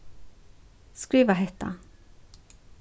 skriva hetta